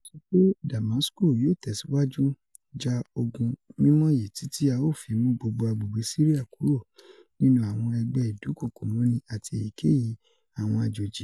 O sọ pe Damasku yoo tẹsiwaju "ja ogun mimọ yii titi a o fi mu gbogbo agbegbe Siria" kúrò nínú awọn ẹgbẹ idunkoko mọni ati "eyikeyi awọn ajoji."